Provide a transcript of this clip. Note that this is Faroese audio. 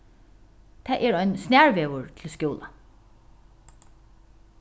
tað er ein snarvegur til skúlan